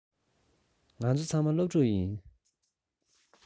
ང ཚོ ཚང མ སློབ ཕྲུག ཡིན